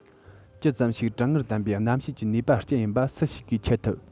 ཅི ཙམ ཞིག གྲང ངར ལྡན པའི གནམ གཤིས ཀྱི ནུས པའི རྐྱེན ཡིན པ སུ ཞིག གིས འཆད ཐུབ